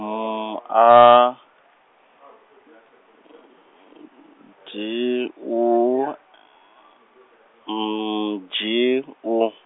N A D U M G U.